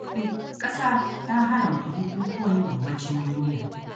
4. ƙasa ta haramta bukukuwan Yammacin duniya.